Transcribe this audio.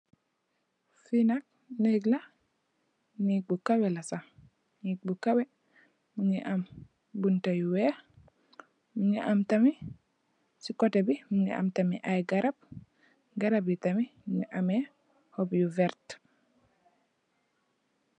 Fi nak nèeg la, nèeg bu kawè la sah. nèeg bu kawè mungi am bunta yu weeh, mungi am tamit ci kotè bi mungi am tamit ay garab yi tamit mungi ameh hoop yu vert.